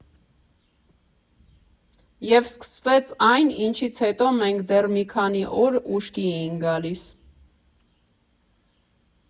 Եվ սկսվեց այն, ինչից հետո մենք դեռ մի քանի օր ուշքի էինք գալիս.